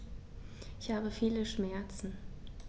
Ich habe viele Schmerzen.